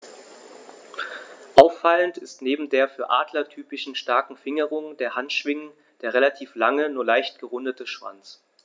Auffallend ist neben der für Adler typischen starken Fingerung der Handschwingen der relativ lange, nur leicht gerundete Schwanz.